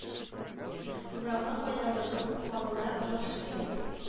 Урамы кайдалыгын уфалылар яхшы белә